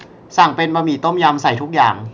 สั่งเป็นบะหมี่ต้มยำใส่ทุกอย่าง